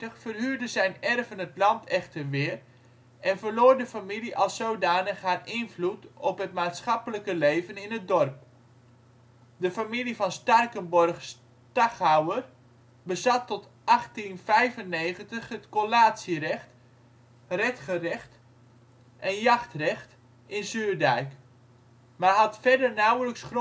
verhuurden zijn erven het land echter weer en verloor de familie als zodanig haar invloed op het maatschappelijke leven in het dorp. De familie van Starkenborgh Stachouwer bezat tot 1795 het collatierecht, redgerrecht (jurisdictie) en jachtrecht in Zuurdijk, maar had verder nauwelijks